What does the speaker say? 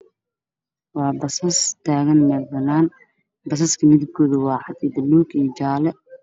Waa basas taagan meel banaan ah midabkoodu waa buluug iyo jaale.